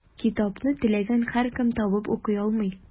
Китапны теләгән һәркем табып укый алмый.